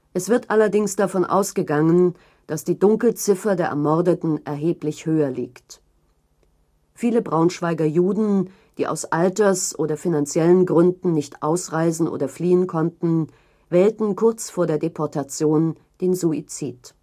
Es wird allerdings davon ausgegangen, dass die Dunkelziffer der Ermordeten erheblich höher liegt. Viele Braunschweiger Juden, die aus Alters - oder finanziellen Gründen nicht ausreisen oder fliehen konnten, wählten kurz vor der Deportation den Suizid